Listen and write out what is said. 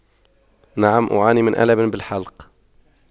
نعم أعاني من ألم بالحلق